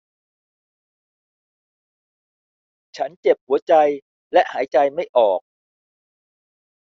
ฉันเจ็บหัวใจและหายใจไม่ออก